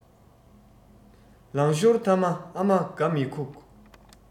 ལང ཤོར ཐ མ ཨ མ དགའ མི ཁུག